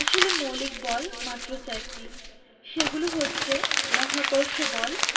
আসলে মৌলিক বল মাত্র চারটি সেগুলো হচ্ছে মহাকর্ষ বল